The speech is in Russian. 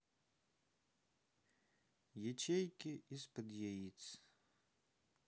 ячейки из под яиц